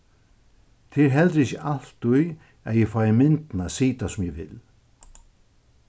tað er heldur ikki altíð at eg fái myndina at sita sum eg vil